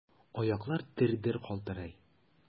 Аяклар дер-дер калтырый.